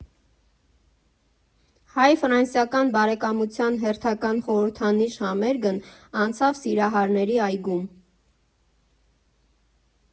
Հայ֊ֆրանսիական բարեկամության հերթական խորհրդանիշ համերգն անցավ Սիրահարների այգում։